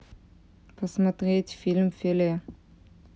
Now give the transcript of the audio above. посмотреть фильм феле